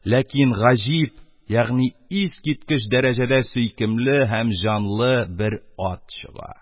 Ләкин гаҗиб ягъни искиткеч дәрәҗәдә сөйкемле һәм җанлы бер ат чыга.